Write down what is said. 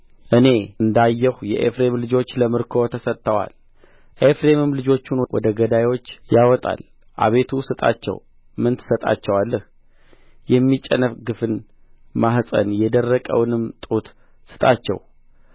እኔ እንዳየሁ የኤፍሬም ልጆች ለምርኮ ተሰጥተዋል ኤፍሬምም ልጆቹን ወደ ገዳዩች ያወጣል አቤቱ ስጣቸው ምን ትሰጣቸዋለህ የሚጨነግፍን ማኅፀን የደረቀውንም ጡት ስጣቸው